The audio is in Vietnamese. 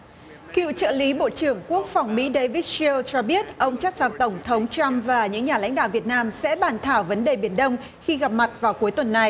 cựu trợ lý bộ trưởng quốc phòng mỹ đây vít triêu cho biết ông chắc chắn tổng thống trăm và những nhà lãnh đạo việt nam sẽ bàn thảo vấn đề biển đông khi gặp mặt vào cuối tuần này